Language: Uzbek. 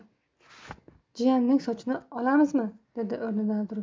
jiyanning sochini olamizmi dedi o'rnidan turib